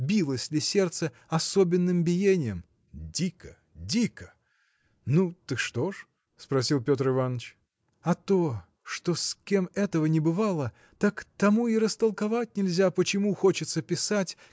билось ли сердце особенным биением? – Дико, дико! Ну, так что ж? – спросил Петр Иваныч. – А то что с кем этого не бывало так тому и растолковать нельзя почему хочется писать